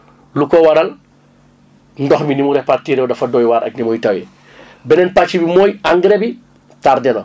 lu ko waral ndox mi ni mu répartir dafa doy waar ak ni muy tawee beneen partie bi mooy engrais bi tardé na